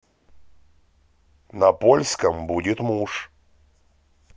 как на польском будет муж